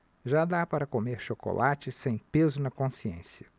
já dá para comer chocolate sem peso na consciência